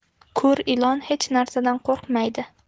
ko'r ilon hech narsadan qo'rqmaydi